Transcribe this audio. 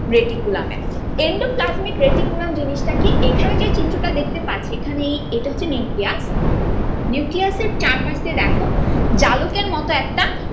reticulum এ endoplasmic reticulum জিনিসটা কি এখানে যে চিত্রটা দেখতে পাচ্ছি এটা হচ্ছে নিউক্লিয়াস নিউক্লিয়াসের চারপাশে দেখো যা জালকের মত একটা